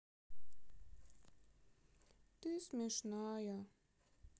ты смешная